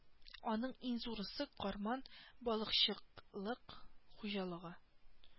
Аның иң зурысы карман балыкчыклык хуҗалыгы